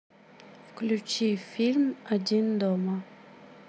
включи фильм один дома